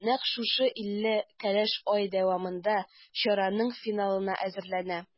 Нәкъ шушы илле кәләш ай дәвамында чараның финалына әзерләнә.